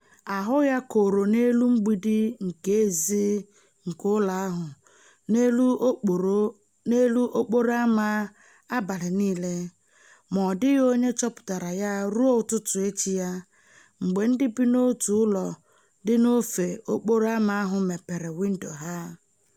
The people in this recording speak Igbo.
Ahụ ya kooro n'elu mgbidi nke èzí nke ụlọ ahụ n'elu okporo ámá abalị niile, ma ọ dịghị onye chọpụtara ya ruo ụtụtụ echi ya mgbe ndị bi n'otu ụlọ dị n'ofe okporo ámá ahụ mepere windo ha.